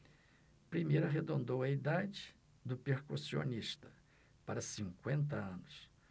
primeiro arredondou a idade do percussionista para cinquenta anos